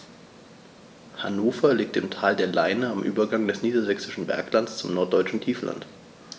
Hannover liegt im Tal der Leine am Übergang des Niedersächsischen Berglands zum Norddeutschen Tiefland.